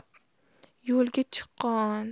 yo'lga chiqq o on